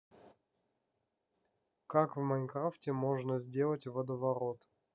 как в майнкрафте можно сделать водоворот